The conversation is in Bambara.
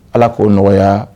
Ala k'o nɔgɔya